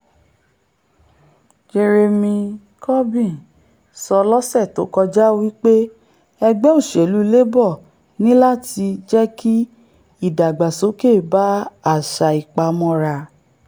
Jeremy Corbyn sọ lọ́sẹ̀ tókọjá wí pé ẹgbẹ́ òṣèlu Labour níláti jẹ́kí ìdàgbàsókè bá àṣà ìpamọ́ra.